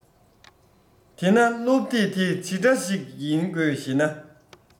དེ ན སློབ དེབ དེ ཇི འདྲ ཞིག ཡིན དགོས ཞེ ན